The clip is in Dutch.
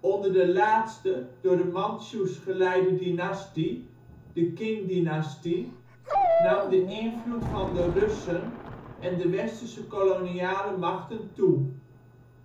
Onder de laatste, door de Mantsjoes geleidde dynastie (de Qing-dynastie), nam de invloed van Russen en de Westerse koloniale machten toe.